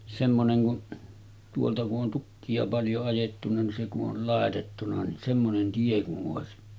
semmoinen kun tuolta kun on tukkia paljon ajettuna niin se kun oli laitettuna niin semmoinen tie kun olisi